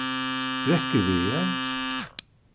brekkuvegur